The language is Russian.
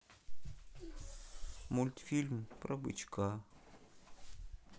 мультфильм про бычка